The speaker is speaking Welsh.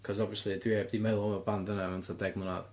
Cos, obviously, dwi heb 'di meddwl am y band yna mewn tua deg mlynedd.